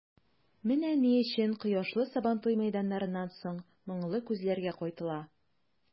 Менә ни өчен кояшлы Сабантуй мәйданнарыннан соң моңлы күзләргә кайтыла.